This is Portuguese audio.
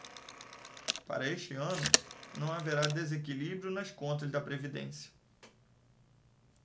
para este ano não haverá desequilíbrio nas contas da previdência